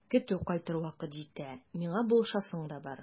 Көтү кайтыр вакыт җитә, миңа булышасың да бар.